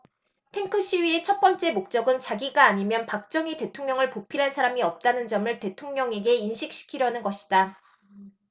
탱크 시위의 첫 번째 목적은 자기가 아니면 박정희 대통령을 보필할 사람이 없다는 점을 대통령에게 인식시키려는 것이다